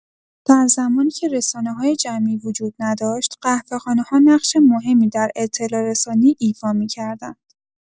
در زمانی که رسانه‌های جمعی وجود نداشت، قهوه‌خانه‌ها نقش مهمی در اطلاع‌رسانی ایفا می‌کردند.